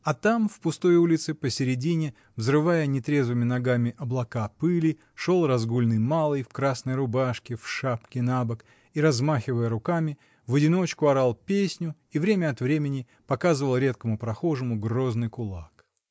А там в пустой улице, посредине, взрывая нетрезвыми ногами облака пыли, шел разгульный малый, в красной рубашке, в шапке набок, и, размахивая руками, в одиночку орал песню и время от времени показывал редкому прохожему грозный кулак.